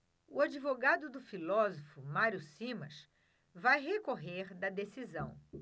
o advogado do filósofo mário simas vai recorrer da decisão